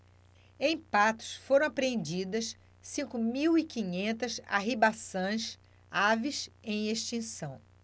em patos foram apreendidas cinco mil e quinhentas arribaçãs aves em extinção